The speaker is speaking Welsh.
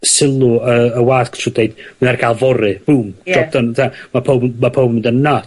sylw yy y wasg trw deud mae ar gall fory. Boom. Ie. Job done 'dw? Ma' powb 'n ma' powb yn mynd yn nuts